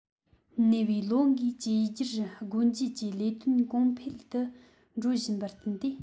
ཉེ བའི ལོ འགའི བཅོས སྒྱུར སྒོ འབྱེད ཀྱི ལས དོན གོང འཕེལ དུ འགྲོ བཞིན པར བསྟུན ཏེ